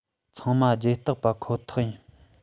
ཚང མ རྒྱབ སྟེགས པ ཁོ ཐག ཡིན